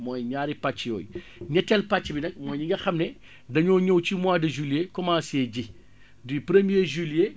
mooy ñaari pàcc yooyu ñetteel pàcc bi nag mooy ñi nga xam ne dañoo ñëw ci mois de juillet commencer ji du premier juillet